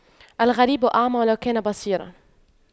الغريب أعمى ولو كان بصيراً